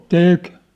teki